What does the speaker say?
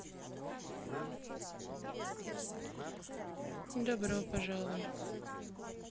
добро пожалуй